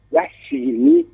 La siri